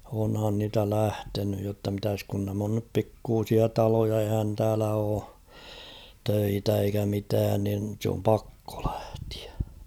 onhan niitä lähtenyt jotta mitäs kun nämä on nyt pikkuisia taloja eihän täällä ole töitä eikä mitään niin se on pakko lähteä